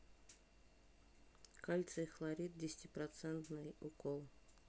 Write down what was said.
кальций хлорид десятипроцентный укол